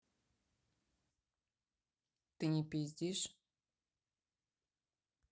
ты не пиздишь